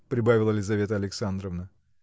– прибавила Лизавета Александровна.